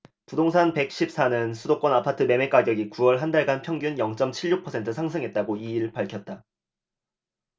부동산 백 십 사 는 수도권 아파트 매매가격이 구 월 한달간 평균 영 쩜 칠 육 퍼센트 상승했다고 이 일 밝혔다